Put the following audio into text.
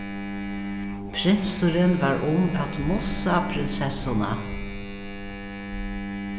prinsurin var um at mussa prinsessuna